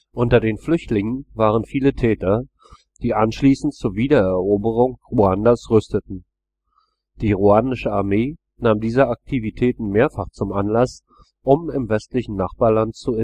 Unter den Flüchtlingen waren viele Täter, die anschließend zur Wiedereroberung Ruandas rüsteten. Die ruandische Armee nahm diese Aktivitäten mehrfach zum Anlass, um im westlichen Nachbarland zu